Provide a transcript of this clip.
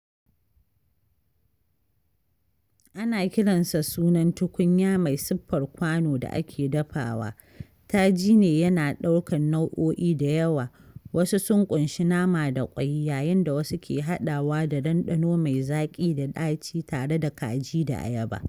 Ana kiransa sunan tukunya mai siffar kwano da ake dafawa, tajine yana ɗaukar nau'o'i da yawa; wasu sun ƙunshi nama da ƙwai, yayin da wasu ke haɗawa da ɗanɗano mai zaƙi da ɗaci tare da kaji da ayaba.